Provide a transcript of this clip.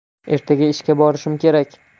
ertaga ishga borishim kerak